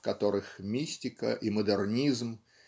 в которых мистика и модернизм